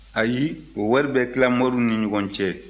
ayi a wari bɛ tila moriw ni ɲɔgɔn cɛ